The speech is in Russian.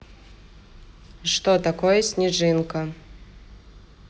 что такое снежинка